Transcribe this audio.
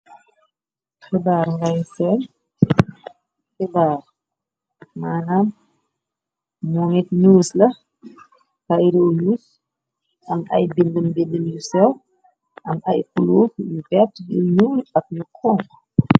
Hibar ngay sen hibar maanam mo mit news la, kayit wu news am ay bindm bindm yu sew am ay kuloor yu vert yu n ñuul ak yu honku.